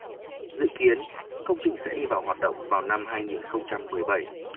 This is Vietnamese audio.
dự kiến công trình sẽ đi vào hoạt động vào năm hai nghìn không trăm mười bảy